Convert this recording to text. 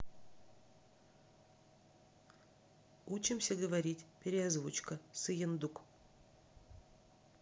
учимся говорить переозвучка сыендук